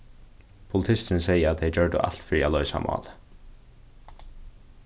politisturin segði at tey gjørdu alt fyri at loysa málið